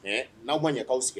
N'aw ma ɲɛ'aw sigi